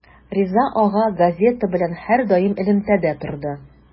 Риза ага газета белән һәрдаим элемтәдә торды.